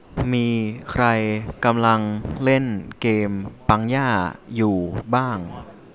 มีใครกำลังเล่นเกมปังย่าอยู่บ้าง